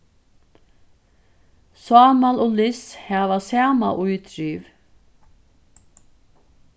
sámal og lis hava sama ítriv